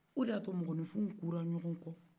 o de y'a to mɔgɔninfinw kunna ɲɔgɔn kɔ